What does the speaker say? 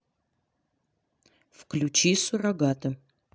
включи суррогаты